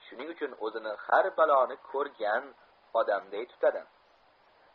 shuning uchun o'zini har baloni ko'rgan odamday tutadi